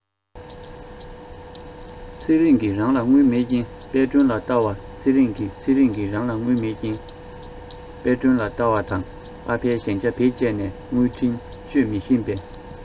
ཚེ རིང གི རང ལ དངུལ མེད རྐྱེན དཔལ སྒྲོན ལ བལྟ བར ཚེ རིང གི ཚེ རིང གི རང ལ དངུལ མེད རྐྱེན དཔལ སྒྲོན ལ བལྟ བར དང ཨ ཕའི གཞན ཆ བེད སྤྱད ནས དངུལ འཕྲིན སྤྱོད མི ཤེས པས